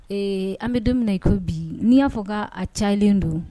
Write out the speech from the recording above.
Ee an bɛ don i ko bi n'i y'a fɔ k' a cayalen don